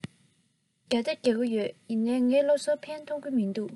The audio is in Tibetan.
རྒྱག དང རྒྱག གི ཡོད ཡིན ནའི ངའི སློབ གསོས ཕན ཐོགས ཀྱི མི འདུག